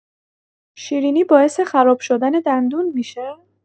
شیرینی باعث خراب شدن دندون می‌شه؟